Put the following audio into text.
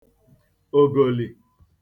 ògòlì